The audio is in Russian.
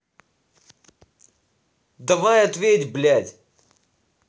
давай ответь блядь